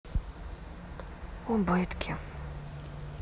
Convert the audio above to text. убытки